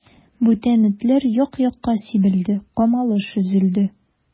Бүтән этләр як-якка сибелде, камалыш өзелде.